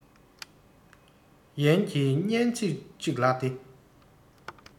ཡན གྱི སྙན ཚིག ཅིག ལགས ཏེ